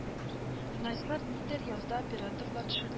Еще раз журналистлар нидер язда операторлар төшерд